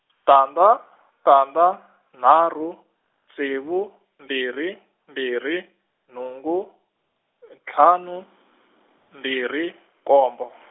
tandza tandza nharhu ntsevu mbirhi mbirhi nhungu, ntlhanu, mbirhi, nkombo .